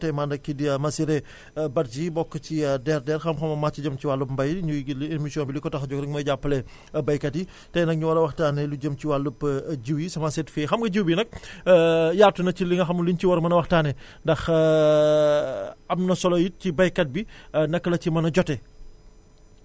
tey ma ànd ak kii di Massiré Badji bokk ci DRDR xam-xamam màcc jëm ci wàllu mbay ñuy gi li émission bi li ko tax a jóg rek mooy jàppale béykat yi tey nag ñu war a waxtaanee lu jëm ci wàllub jiw yi semence certifiée xam nga jiw bi nag yaatu na ci li nga xamul lu ñu ci war a mën a waxtaanee ndax am na solo it si béykat bi naka la ci mën a jotee